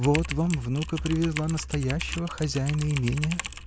Вот вам внука привезла, настоящего хозяина имения.